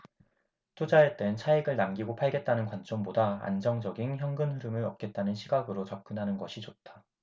투자할 땐 차익을 남기고 팔겠다는 관점보다 안정적인 현금흐름을 얻겠다는 시각으로 접근하는 것이 좋다